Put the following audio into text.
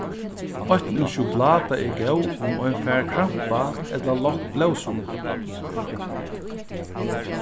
eitt nú sjokuláta er góð um ein fær krampa ella lágt blóðsukur